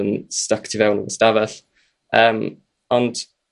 yn sdyc tu fewn y stafell yym ond